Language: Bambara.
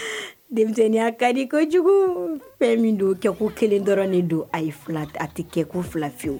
Denmisɛnninya ka di ko jugu fɛn min don kɛ ko kelen dɔrɔn de don ayi fila tɛ a tɛ kɛ ko fila fewu